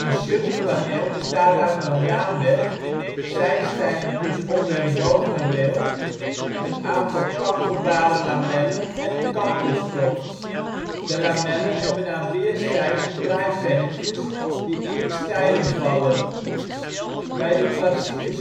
shutterpaneel bestaat uit een raamwerk (zijstijlen plus onder - en bovenrail), een aantal kantelbare lamellen en een kantelstok. De lamellen hebben aan weerszijden draaipennetjes die in de stijlen vallen. Bij de klassieke